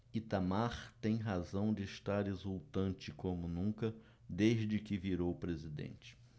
itamar tem razão de estar exultante como nunca desde que virou presidente